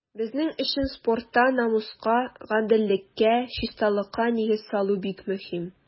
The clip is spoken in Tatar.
Безнең өчен спортта намуска, гаделлеккә, чисталыкка нигез салу бик мөһим.